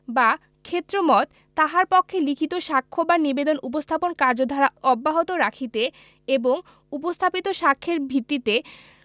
বা ক্ষেত্রমত তাহার পক্ষে লিখিত সাক্ষ্য বা নিবেদন উপস্থাপন কার্যধারা অব্যাহত রাখিতে এবং উপস্থাপিত সাক্ষ্যের ভিত্তিতে